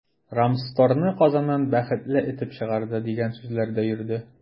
“рамстор”ны казаннан “бәхетле” этеп чыгарды, дигән сүзләр дә йөрде.